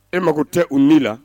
E mago tɛ u ni la